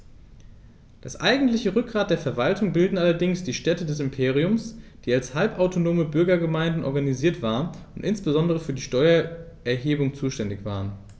Das eigentliche Rückgrat der Verwaltung bildeten allerdings die Städte des Imperiums, die als halbautonome Bürgergemeinden organisiert waren und insbesondere für die Steuererhebung zuständig waren.